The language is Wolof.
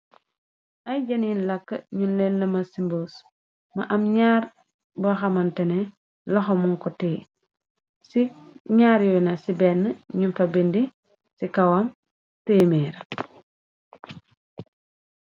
Ay jan ñun làkk ñu leen lëmas ci mbos, mu am ñaar boxamantene loxomu ko téye, ci ñaar yoy nak ci benne ñu fa binde ci kawam téeméera.